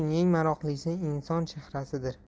eng maroqlisi inson chehrasidir